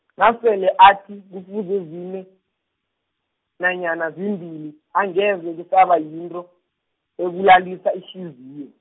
nasele athi, kufuze zine, nanyana zimbili, angeze kusaba yinto, ebulalisa, ihliziyo.